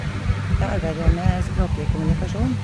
Jeg arbeider jo med språklig kommunikasjon.